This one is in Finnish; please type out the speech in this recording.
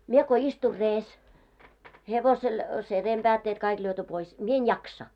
minä kun istuin reessä hevosella sen reenpäätteet kaikki lyöty pois minä en jaksa